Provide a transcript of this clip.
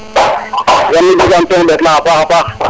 yam mi jegam ten a ɗetlax a paax